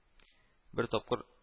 Бер тапкыр